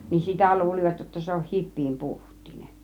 niin sitä luulivat jotta se on hipiän puhtiainen